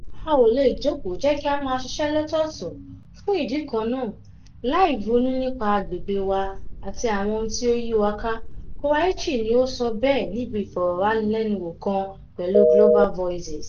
"A ò le jókòó jẹ́ kí á máa ṣiṣẹ́ lọ́tọ́ọ̀tọ̀ fún ìdí kannáà láì ronú nípa agbègbè wá àti àwọn ohun tí ó yíwa ká," Koraichi ni ó sọ bẹ́ẹ̀ níbi ìfọ̀rọ̀wánilẹ́nuwò kan pẹ̀lú Global Voices.